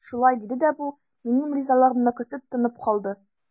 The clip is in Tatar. Шулай диде дә бу, минем ризалыгымны көтеп, тынып калды.